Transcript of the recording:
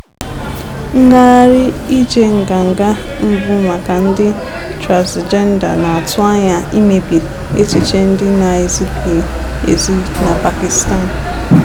Ngagharị ije nganga mbụ maka ndị transịjenda na-atụ anya imebi echiche ndị na-ezighị ezi na Pakistan